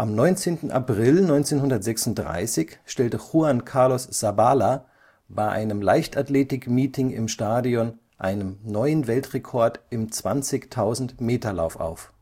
19. April 1936 stellte Juan Carlos Zabala bei einem Leichtathletik-Meeting im Stadion einem neuen Weltrekord im 20.000-Meter-Lauf auf